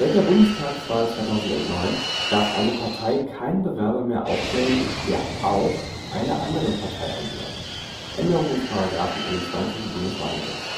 der Bundestagswahl 2009 darf eine Partei keinen Bewerber mehr aufstellen, der (auch) einer anderen Partei angehört (Änderung des § 21 BWahlG